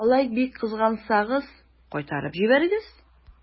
Алай бик кызгансагыз, кайтарып җибәрегез.